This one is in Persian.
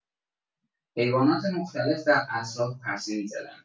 حیوانات مختلف در اطراف پرسه می‌زدند.